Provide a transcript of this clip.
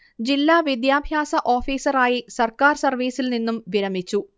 ജില്ലാ വിദ്യാഭ്യാസ ഓഫീസറായി സർക്കാർ സർവീസിൽ നിന്നും വിരമിച്ചു